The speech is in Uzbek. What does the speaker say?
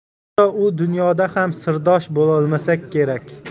hatto u dunyoda ham sirdosh bo'lolmasak kerak